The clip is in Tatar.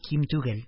Ким түгел.